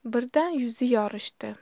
birdan yuzi yorishdi